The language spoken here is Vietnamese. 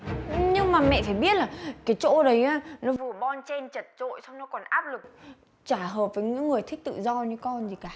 nhưng mà mẹ phải biết là cái chỗ đấy á nó vừa bon chen chật chội song nó còn áp lực chả hợp với những người thích tự do như con gì cả